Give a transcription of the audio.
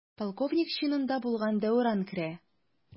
Полковник чинында булган Дәүран керә.